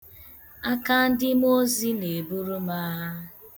Ndị mmụọozi na-eburu m agha.